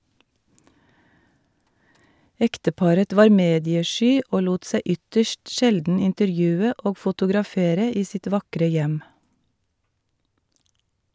Ekteparet var mediesky og lot seg ytterst sjelden intervjue og fotografere i sitt vakre hjem.